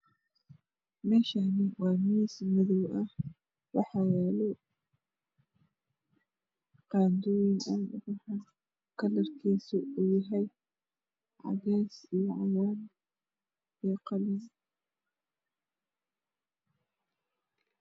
Meshani waa miis madow ah waxayalo qadoyin aad uqorxun kalarkis ow yahay cades io cagar io qalin